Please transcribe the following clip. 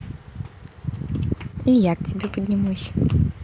и я к тебе поднимусь